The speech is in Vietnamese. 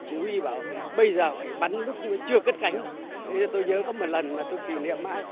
chỉ huy bảo bây giờ phải bắn lúc cất cánh thế tôi nhớ có một lần mà tôi kỷ niệm mãi